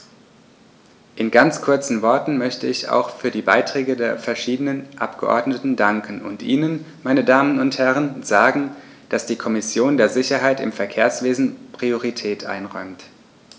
In ganz kurzen Worten möchte ich auch für die Beiträge der verschiedenen Abgeordneten danken und Ihnen, meine Damen und Herren, sagen, dass die Kommission der Sicherheit im Verkehrswesen Priorität einräumt.